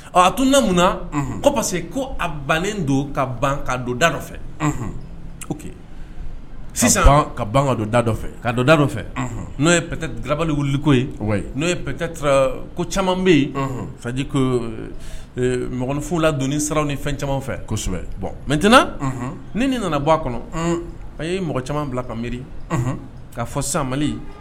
A tun na mun na ko parce que ko a bannen don ka ban ka don da nɔfɛ sisan ka ban ka don da nɔfɛ ka don da dɔ nɔfɛ n'o yebalili wuli ko n'o ye ko caman bɛ yen faji ko mɔgɔninfla don sara ni fɛn caman fɛ kosɛbɛ bɔn mɛtɛnɛn ni nin nana bɔ a kɔnɔ a ye mɔgɔ caman bila ka miiri k kaa fɔ sa